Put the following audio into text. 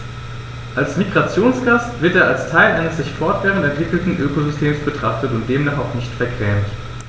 Als Migrationsgast wird er als Teil eines sich fortwährend entwickelnden Ökosystems betrachtet und demnach auch nicht vergrämt.